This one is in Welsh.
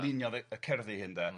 luniodd y y cerddi hyn de... M-hm.